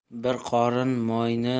bir qorin moyni